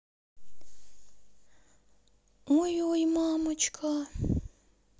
ой ой мамочка